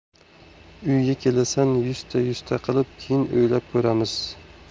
uyga kelasan yuzta yuzta qilib keyin o'ylab ko'ramiz